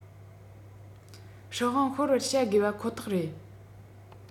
སྲིད དབང ཤོར བར བྱ དགོས པ ཁོ ཐག རེད